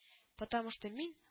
Потому что мин